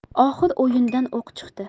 oxiri o'yindan o'q chiqdi